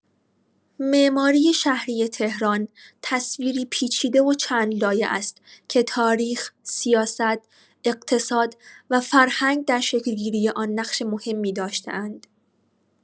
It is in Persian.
معماری شهری تهران تصویری پیچیده و چندلایه است که تاریخ، سیاست، اقتصاد و فرهنگ در شکل‌گیری آن نقش مهمی داشته‌اند.